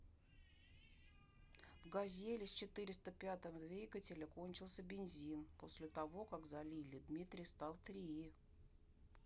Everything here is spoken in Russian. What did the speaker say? в газели с четыреста пятого двигателем кончился бензин после того как залили дмитрий стал три